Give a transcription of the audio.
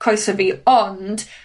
coese fi, ond